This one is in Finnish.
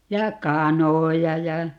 ja kanoja ja